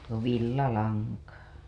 no villalankaa